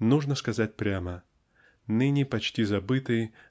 Нужно сказать прямо ныне почти забытый